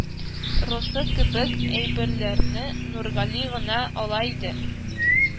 Росы кебек әйберләрне нургали генә ала иде